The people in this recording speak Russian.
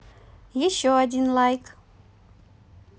еще один like